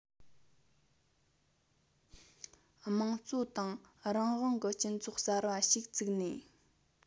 དམངས གཙོ དང རང དབང གི སྤྱི ཚོགས གསར པ ཞིག བཙུགས ནས